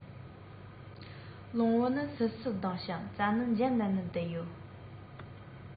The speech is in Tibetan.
རླུང བུ ནི བསིལ བསིལ ལྡང ཞིང རྩྭ ནི འཇམ ནེམ ནེམ དུ གཡོ